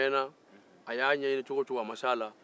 a y'a ɲɛɲini cogo o cogo a ma se a la